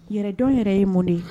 Yɛrɛdon yɛrɛ ye mun de ye.